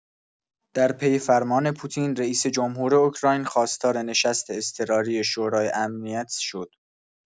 در پی فرمان پوتین، رئیس‌جمهور اوکراین خواستار نشست اضطراری شورای امنیت شد.